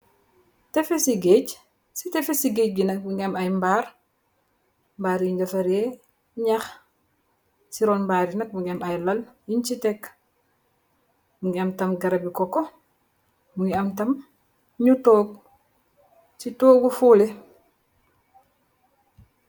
Tefesi ğeej si tefesi ğeej bi nak mungi am ayy mbaar mbaar yunj defareh nyax si ruun mbar mbari nak mungi am ayy lal nyung si tekk mungi am tam garabi koko mungi am tam nyu tog si togi foleh